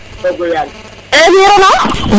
e xar